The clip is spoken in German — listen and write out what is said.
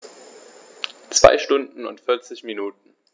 2 Stunden und 40 Minuten